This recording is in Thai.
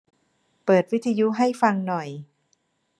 เปิดวิทยุให้ฟังหน่อย